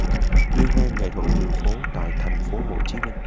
liên hoan nghệ thuật đường phố tại thành phố hồ chí minh